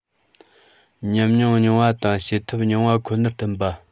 ཉམས མྱོང རྙིང པ དང བྱེད ཐབས རྙིང པ ཁོ ནར བསྟུན པ